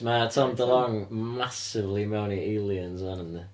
ma' Tom DeLonge massively mewn i Aliens ŵan yndi.